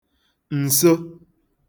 ǹso